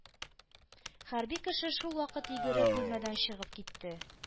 Хәрби кеше шул вакыт йөгереп бүлмәдән чыгып китте.